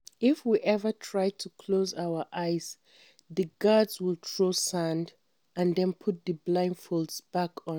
Maimouna Alpha Sy, general secretary of the Widow and Humanitarian Issues Association, was once married to Ba Baïdy Alassane, a former customs controller.